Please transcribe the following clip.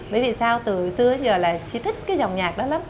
bởi vì sao từ xưa đến giờ là chi thích cái dòng nhạc đó lắm